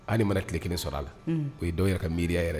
Hali ni mara tile kelen sɔrɔ a la o ye dɔw yɛrɛ ka miiriya yɛrɛ